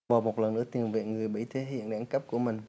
và một lần nữa tiền vệ người bỉ thể hiện đẳng cấp của mình